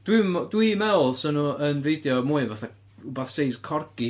Dwi'm... dwi'n meddwl 'sen nhw yn reidio mwy fatha wbath seis corgi.